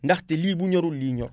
ndaxte lii bu ñorul lii ñor